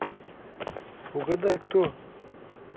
угадай кто